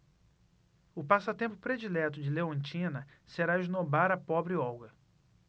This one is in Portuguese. o passatempo predileto de leontina será esnobar a pobre olga